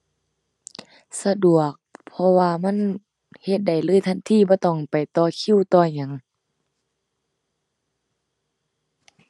สะดวก เพราะว่ามันเฮ็ดได้เลยทันที บ่ต้องไปต่อคิวต่อหยัง